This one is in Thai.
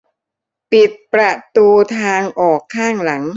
ปิดประตูทางออกข้างหลัง